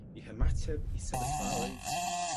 'u hymateb i sefyllfaoedd